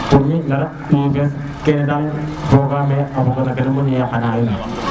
pour mi no ramb yifes kene daal foga me a foga no ke na moƴ na yaka na wiin we